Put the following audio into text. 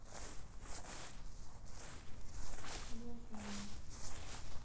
я занят